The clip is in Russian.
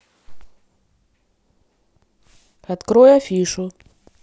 открой афишу